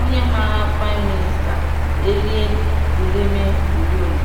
onye maara Prime Minister Alain Guillaume Bunyoni.